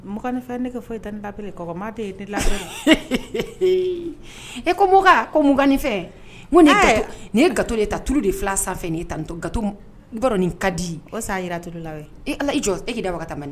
Mugannifɛn nege foyi tɛ ne la bilen kɔgɔma te e ko moka ko mogannifɛn n ko nin ye gateau nin ye gateau de ye tan tulu de filɛ a sanfɛtan gateau n i_ b'a dɔn nin ka di o sa yira tulu la wɛ e Ala i jɔ k'i da waga tan